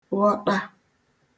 ghọṭa